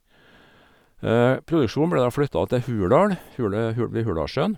Produksjonen ble da flytta til Hurdal, hule hul ved Hurdalssjøen.